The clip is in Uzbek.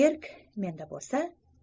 erk menda bo'lsa